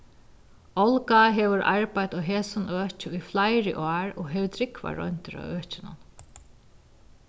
olga hevur arbeitt á hesum øki í fleiri ár og hevur drúgvar royndir á økinum